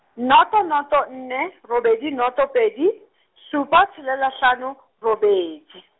noto noto nne, robedi noto pedi, supa tshelela hlano, robedi.